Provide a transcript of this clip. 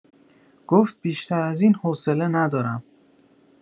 گفت بیشتر از این حوصله ندارم!